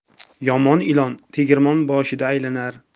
yomon ilon tegirmon boshida aylanar